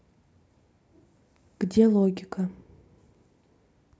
где логика